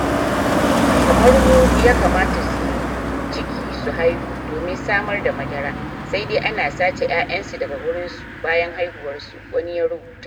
Kamar mu yakamata suyi ciki su haihu domin samar da madara, sai dai ana sace yayan su daga gurin su bayan haihuwar su,” wani ya rubuta.